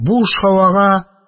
Буш һавага